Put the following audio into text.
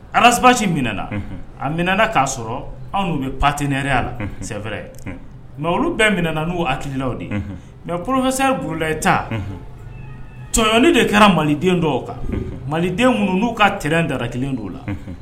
Alasasi minɛna a min k'a sɔrɔ anw bɛ patɛɛrɛya la sɛɛrɛ mɛ olu bɛɛ minaɛna n'u ha hakililalaw de mɛkisɛya glayita tɔɔnni de kɛra maliden dɔw kan maliden kunun n'u ka t dara kelen don la